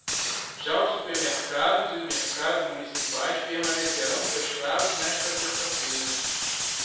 já os supermercados e mercados municipais permanecerão fechados nesta terça-feira